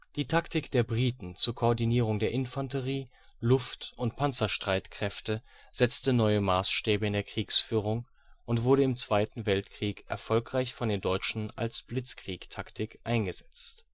Die Taktik der Briten zur Koordinierung der Infanterie, Luft - und Panzerstreitkräfte setzte neue Maßstäbe in der Kriegsführung und wurde im Zweiten Weltkrieg erfolgreich von den Deutschen als Blitzkrieg-Taktik eingesetzt